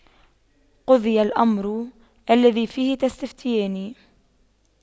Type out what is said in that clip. قُضِيَ الأَمرُ الَّذِي فِيهِ تَستَفِتيَانِ